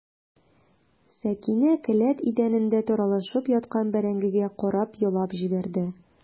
Сәкинә келәт идәнендә таралышып яткан бәрәңгегә карап елап җибәрде.